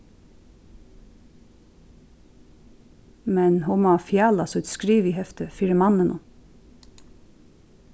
men hon má fjala sítt skrivihefti fyri manninum